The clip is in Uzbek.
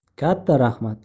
katta rahmat